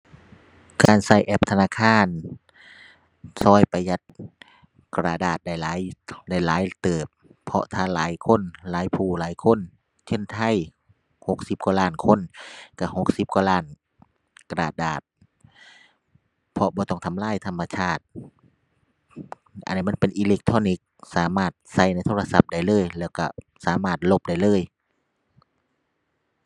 การใช้แอปธนาคารใช้ประหยัดกระดาษได้หลาย ได้หลายเติบ เพราะถ้าหลายคน หลายผู้หลายคน เช่น ไทยหกสิบกว่าล้านคนใช้หกสิบกว่าล้านกระดาษ เพราะบ่ต้องทำลายธรรมชาติ อันนี้มันเป็นอิเล็กทรอนิกส์สามารถใส่ในโทรศัพท์ได้เลย แล้วใช้สามารถลบได้เลย